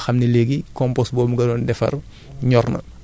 en plus tamit day sedd guy tàngaay bi day wàññeeku